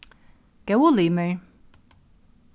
góðu limir